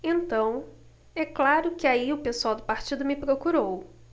então é claro que aí o pessoal do partido me procurou